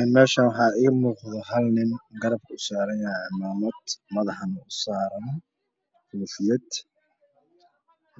Eenmeshanwaxa iimuqda halnin garabka usaran camamad madaxana usarankofiyad